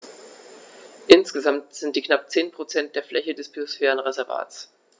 Insgesamt sind dies knapp 10 % der Fläche des Biosphärenreservates.